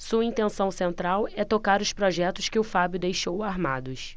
sua intenção central é tocar os projetos que o fábio deixou armados